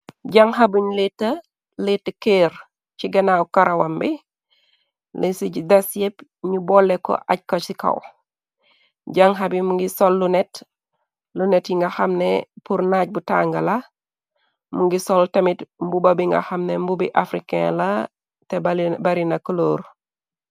Jàŋxabuñ leeta , leeta keer ci ganaaw karawam bi, li ci def yépp ñu bolle ko aj ko ci kaw. Jànxabi mu ngi sol lu net ,lu net yi nga xamne pur naaj bu tanga la, mu ngi sol tamit mbuba bi nga xamne mbubi africain la te barina cloor.